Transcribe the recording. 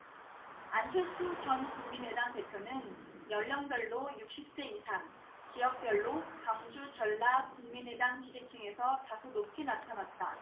안철수 전 국민의당 대표는 연령별로 육십 세 이상 지역별로 광주 전라 국민의당 지지층에서 다소 높게 나타났다